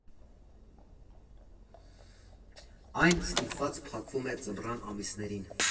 Այն ստիպված փակվում է ձմռան ամիսներին։